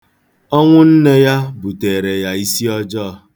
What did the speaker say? Ọnwụ nne ya buteere ya isiọjọọ.